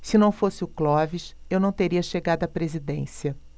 se não fosse o clóvis eu não teria chegado à presidência